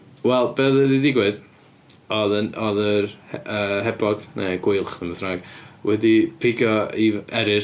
Wel, be' odd wedi digwydd, oedd yr- oedd yr h- hebog, neu gweilch, neu beth bynnag, wedi pigo i'r eryr,